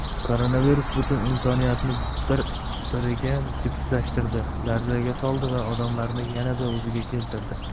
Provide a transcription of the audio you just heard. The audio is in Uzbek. koronavirus butun insoniyatni bir biriga jipslashtirdi larzaga soldi va odamlarni yanada o'ziga keltirdi